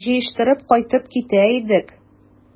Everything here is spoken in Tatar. Җыештырып кайтып китә идек...